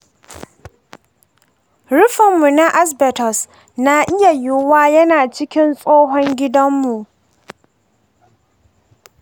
rufinmu na asbestos na iya yiwuwa yana cikin tsohon gininmu.